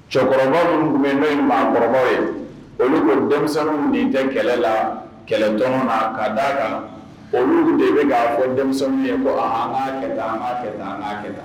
Cɛkɔrɔba minnu kun be yen nu ye maakɔrɔba ye . Olu ko denmisɛnninw nin tɛ kɛlɛ la kɛlɛ dɔrɔn ma ka da kan olu de ba fɔ denmisɛnnin ye ko ahan an ka kɛ tan an ka kɛ tan an ka kɛ tan.